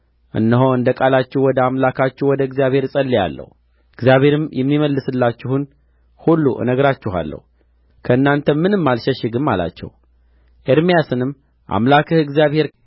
እነሆ እንደ ቃላችሁ ወደ አምላካችሁ ወደ እግዚአብሔር እጸልያለሁ እግዚአብሔርም የሚመልስላችሁን ሁሉ እነግራችኋለሁ ከእናንተም ምንም አልሸሽግም አላቸው ኤርምያስንም አምላክህ እግዚአብሔር